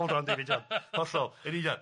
Hold on David John, hollol, yn union.